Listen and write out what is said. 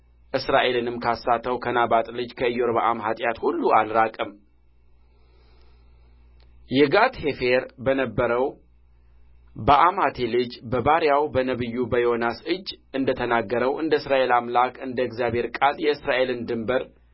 እስራኤልንም ካሳተው ከናባጥ ልጅ ከኢዮርብዓም ኃጢአት ሁሉ አልራቀም የጋትሔፌር በነበረው በአማቴ ልጅ በባሪያው በነቢዩ በዮናስ እጅ እንደ ተናገረው እንደ እስራኤል አምላክ እንደ እግዚአብሔር ቃል የእስራኤልን ድንበር